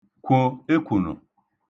k̇wò ekwə̀ṙò